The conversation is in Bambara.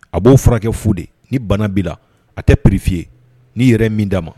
A b'o furakɛ fu de ye ni bana bi a tɛ prifi ye ni yɛrɛ min d'a ma